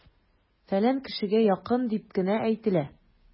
"фәлән кешегә якын" дип кенә әйтелә!